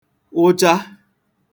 wụcha